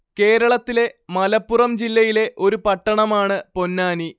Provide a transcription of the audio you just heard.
കേരളത്തിലെ മലപ്പുറം ജില്ലയിലെ ഒരു പട്ടണമാണ് പൊന്നാനി